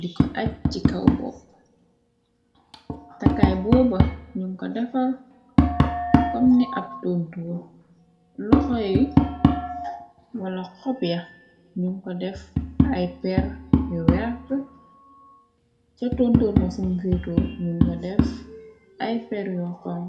di ko aj ci kaw bopp takaay booba. Nyu ko defar kom ni ab tontoor loxoy wala xopya. Nyu ko def ay per yu wert ca tontoor ma sum véeto nun ko def ay per yo kong.